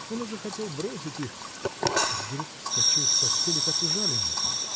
Он уже хотел бросить их -- и вдруг вскочил с постели, как ужаленный.